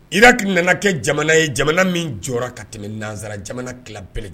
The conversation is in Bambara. Iraki nana kɛ jamana ye jamana min jɔra ka tɛmɛ nansara jamana kilan bɛɛ lajɛ